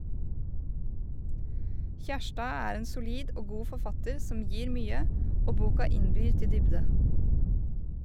Kjærstad er en solid og god forfatter som gir mye, og boka innbyr til dybde.